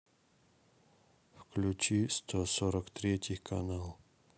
включи сто сорок третий канал